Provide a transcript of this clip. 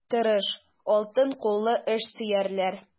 Тырыш, алтын куллы эшсөярләр.